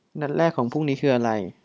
นัดแรกของพรุ่งนี้นี้คืออะไร